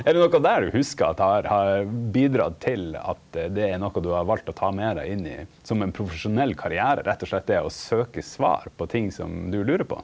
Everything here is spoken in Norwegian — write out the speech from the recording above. er det noko der du hugsar at har har bidrege til at det er noko du har valt å ta med deg inn i som ein profesjonell karriere rett og slett det å søke svar på ting som du lurer på?